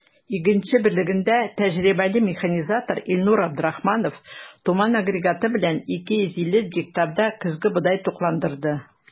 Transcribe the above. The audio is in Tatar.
“игенче” берлегендә тәҗрибәле механизатор илнур абдрахманов “туман” агрегаты белән 250 гектарда көзге бодай тукландырды.